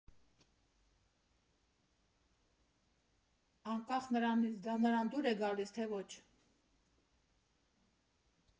Անկախ նրանից դա նրան դուր գալիս է, թե ոչ։